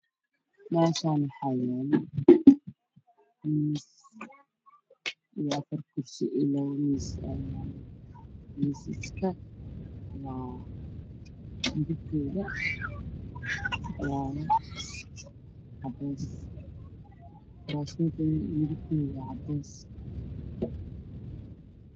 Meeshan waxaa iga muuqday meel lagu sameeyay jalaatada darbiga midabkiisu waa midooday kuraasto waa guduud dhulkana waa yara gudud ahaan